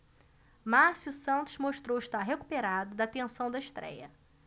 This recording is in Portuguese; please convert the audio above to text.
márcio santos mostrou estar recuperado da tensão da estréia